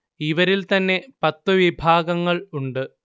ഇവരിൽ തന്നെ പത്തു വിഭാഗങ്ങൾ ഉണ്ട്